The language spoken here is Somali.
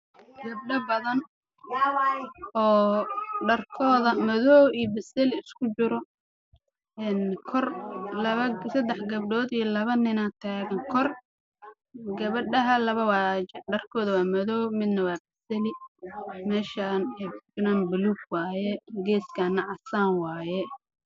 Gabdho badan dharkooda madow